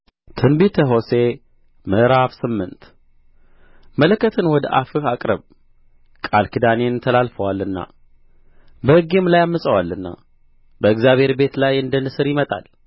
ትንቢተ ሆሴዕ ምዕራፍ ስምንት መለከትን ወደ አፍህ አቅርብ ቃል ኪዳኔን ተላልፈዋልና በሕጌም ላይ ዐምፀዋልና በእግዚአብሔር ቤት ላይ እንደ ንስር ይመጣል